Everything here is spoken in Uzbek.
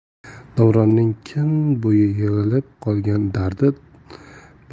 davronning kun bo'yi yig'ilib qolgan